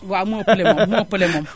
waaw moo ëppale moom moo ëppale moom